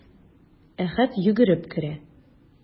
Әхәт йөгереп керә.